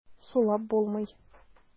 Сулап булмый.